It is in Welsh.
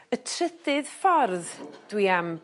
Y trydydd ffordd dwi am